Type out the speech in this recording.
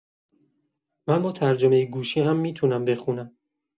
من با ترجمه گوشی هم می‌تونم بخونم.